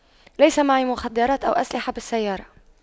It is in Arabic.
ليس معي مخدرات أو أسلحة بالسيارة